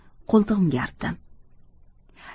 qo'ltigimga artdim